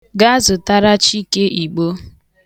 Gaa zụtara Chike igbo.